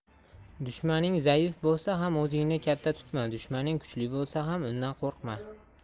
dushmaning zaif bo'lsa ham o'zingni katta tutma dushmaning kuchli bo'lsa ham undan qo'rqma